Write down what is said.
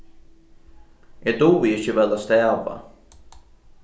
eg dugi ikki væl at stava